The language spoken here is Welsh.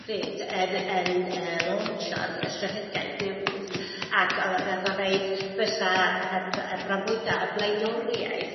pryd yn yn yy laucho'r y strategaeth newydd ac o'dd o nath o ddeud bysa yy b- yy bronfwydo y blaenoriaeth